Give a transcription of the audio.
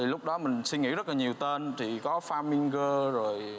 thì lúc đó mình suy nghĩ rất nhiều tên trị có pha min gơn rồi